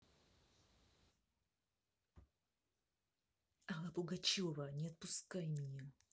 алла пугачева не отпускай меня